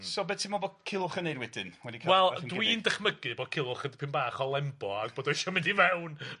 So be' ti'n me'wl bod Culhwch yn neud wedyn? Wedi ca'l... Wel dwi'n dychmygu bod Culhwch yn dipyn bach o lembo a bod o isio mynd i fewn